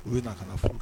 U ye na ka na furakɛ